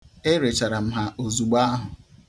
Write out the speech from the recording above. E rechara m ha ozugbu ahụ.